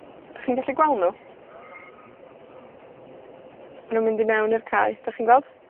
'Dych chi'n gallu gweld nw? Ma' nw'n mynd i mewn i'r cae. 'Dych chi'n gweld?